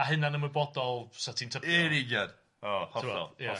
a hunan ymwybodol 'sa ti'n tybio. Yn union o hollol, hollol.